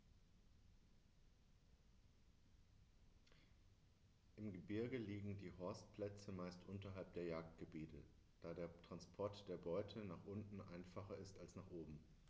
Im Gebirge liegen die Horstplätze meist unterhalb der Jagdgebiete, da der Transport der Beute nach unten einfacher ist als nach oben.